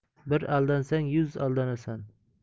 bir aldansang yuz aldanasan